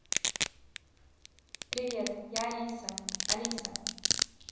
привет я алиса алиса